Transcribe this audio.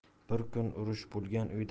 bir kun urush bo'lgan